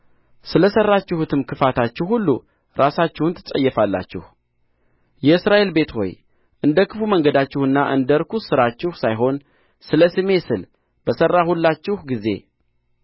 ስለ ሠራችሁትም ክፋታችሁ ሁሉ ራሳችሁን ትጸየፋላችሁ የእስራኤል ቤት ሆይ እንደ ክፉ መንገዳችሁና እንደ ርኩስ ሥራችሁ ሳይሆን ስለ ስሜ ስል በሠራሁላችሁ ጊዜ